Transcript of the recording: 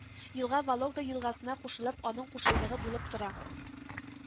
Елга Вологда елгасына кушылып, аның кушылдыгы булып тора